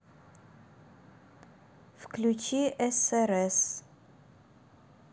включи срс